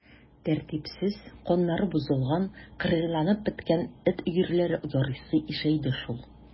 Тәртипсез, каннары бозылган, кыргыйланып беткән эт өерләре ярыйсы ишәйде шул.